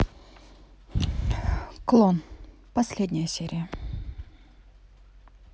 клон последняя серия